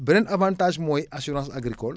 beneen avantage mooy assurance agricole